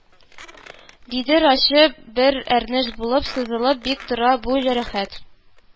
Дидер ачы бер әрнеш булып, сызылып тик тора бу җәрәхәт